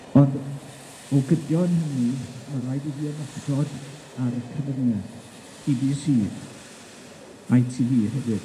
Ond o gydio yn hynny, ma' raid i fi ymosod ar y cyfrynge Bee Bee See I Tee Vee hefyd.